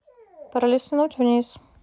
пролистнуть вниз